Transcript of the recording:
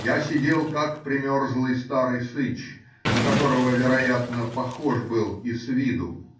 я сидел, как примерзлый старый сыч, на которого, вероятно, похож был и с виду.